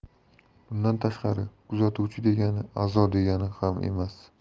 bundan tashqari kuzatuvchi degani a'zo degani ham emas